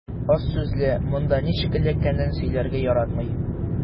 Аз сүзле, монда ничек эләккәнен сөйләргә яратмый.